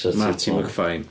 Marty Mcfine.